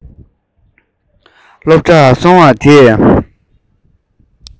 སློབ གྲྭར སོང བ དེ